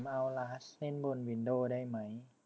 เกมเอ้าลาสเล่นบนวินโด้ได้ไหม